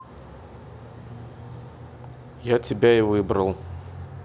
я тебя и выбрал